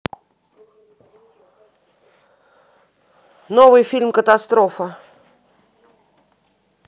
новый фильм катастрофа